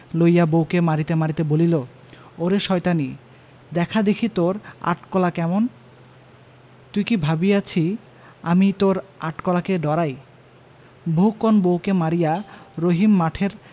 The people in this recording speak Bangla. লইয়া বউকে মারিতে মারিতে বলিল ওরে শয়তানী দেখা দেখি তোর আট কলা কেমন তুই কি ভাবিয়াছি আমি তোর আট কলাকে ডরাই বহুক্ষণ বউকে মারিয়া রহিম মাঠের